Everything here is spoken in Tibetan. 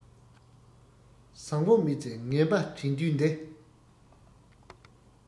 བཟང བོ མི བརྩི ངན པ བྲིན དུས འདི